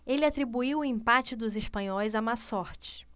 ele atribuiu o empate dos espanhóis à má sorte